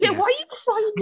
Yeah why are you crying?